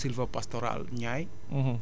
zone sylvopastorale Niayes